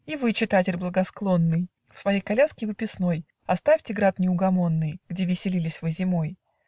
И вы, читатель благосклонный, В своей коляске выписной Оставьте град неугомонный, Где веселились вы зимой